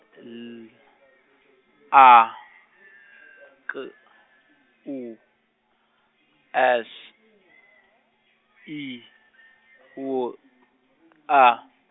L A K U S I W A.